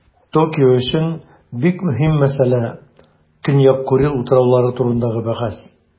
Токио өчен бик мөһим мәсьәлә - Көньяк Курил утраулары турындагы бәхәс.